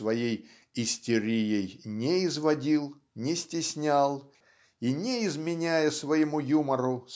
своей "истерией" не изводил не стеснял и не изменяя своему юмору